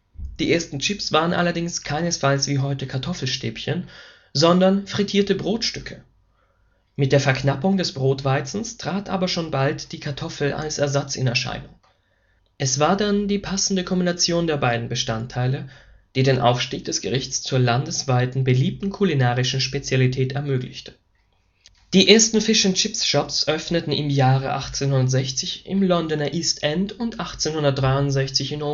Die ersten Chips waren allerdings keinesfalls wie heute Kartoffelstäbchen, sondern frittierte Brotstücke. Mit der Verknappung des Brotweizens trat aber schon bald die Kartoffel als Ersatz in Erscheinung. Es war dann die passende Kombination der beiden Bestandteile, die den Aufstieg des Gerichts zur landesweit beliebten kulinarischen Spezialität ermöglichte. Die ersten Fish’ n’ Chips-Shops öffneten im Jahre 1860 im Londoner East End und 1863 in